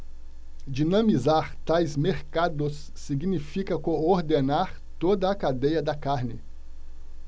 dinamizar tais mercados significa coordenar toda a cadeia da carne